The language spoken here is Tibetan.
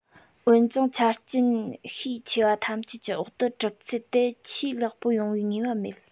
འོན ཀྱང ཆ རྐྱེན ཤས ཆེ བ ཐམས ཅད ཀྱི འོག ཏུ གྲུབ ཚུལ དེ ཆེས ལེགས པོ ཡིན པའི ངེས པ མེད